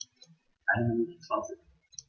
Eine Minute 20